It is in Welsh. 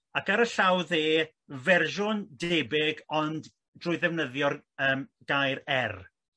ac ar y llaw dde fersiwn debyg ond drwy ddefnyddio yy gair er.